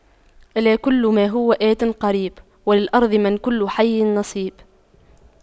ألا كل ما هو آت قريب وللأرض من كل حي نصيب